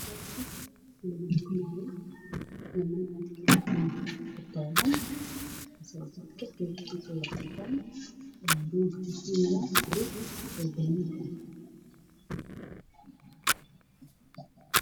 Waa masaajid lugu tukanaayo wiilal ayaa taagan masaajid rooga yaala waa buluug.